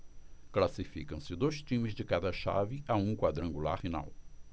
classificam-se dois times de cada chave a um quadrangular final